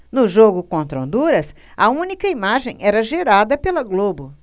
no jogo contra honduras a única imagem era gerada pela globo